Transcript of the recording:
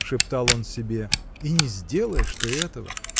— шептал он себе, — и не сделаешь ты этого!